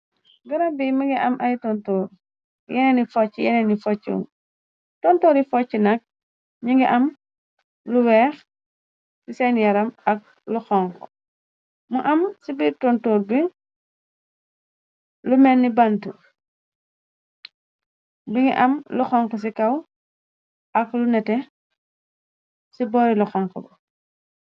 Garab bi mi ngi am ay tontoor yeneen ni focc yeneen ni foccu tontoori focc nak ni ngi am lu weex ci seyn yaram ak luxonk mu am ci biir tontor bi lu menni bant bi ngi am luxonk ci kaw ak lu nete ci boori lu xonk bi.